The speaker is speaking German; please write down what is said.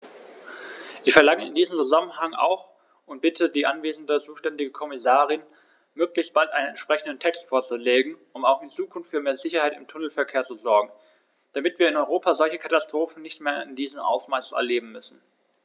Ich verlange in diesem Zusammenhang auch und bitte die anwesende zuständige Kommissarin, möglichst bald einen entsprechenden Text vorzulegen, um auch in Zukunft für mehr Sicherheit im Tunnelverkehr zu sorgen, damit wir in Europa solche Katastrophen nicht mehr in diesem Ausmaß erleben müssen!